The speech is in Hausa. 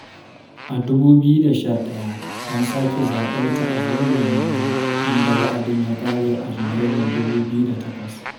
A 2011 an sake zaɓar ta a zango na biyu, inda wa'adin ya ƙare a Junairun 2008.